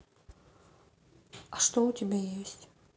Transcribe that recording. а что у тебя есть